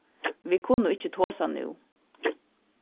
vit kunnu ikki tosa nú